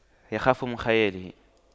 يخاف من خياله